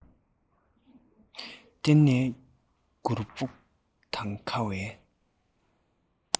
བསྟུན ནས སྐྱུར པོ དང ཁ བའི